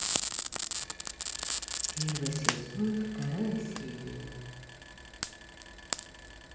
первый сезон вторая серия